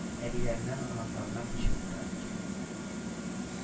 Әбиләреннән оныкларына күчеп бара икән